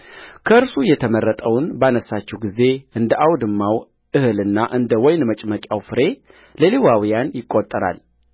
ከእርሱ የተመረጠውን ባነሣችሁ ጊዜ እንደ አውድማው እህልና እንደ ወይን መጭመቂያው ፍሬ ለሌዋውያን ይቈጠራል